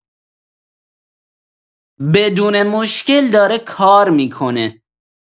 بدون مشکل داره کار می‌کنه